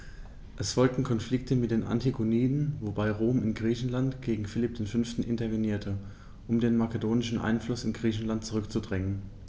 Es folgten Konflikte mit den Antigoniden, wobei Rom in Griechenland gegen Philipp V. intervenierte, um den makedonischen Einfluss in Griechenland zurückzudrängen.